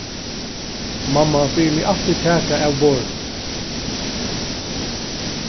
mamma biður meg altíð taka av borðinum